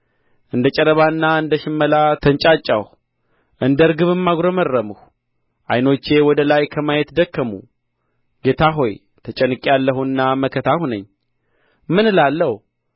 እንደ ጨረባና እንደ ሽመላ ተንጫጫሁ እንደ ርግብም አጕረመረምሁ ዓይኖቼ ወደ ላይ ከማየት ደከሙ ጌታ ሆይ ተጨንቄአለሁና መከታ ሁነኝ ምን እላለሁ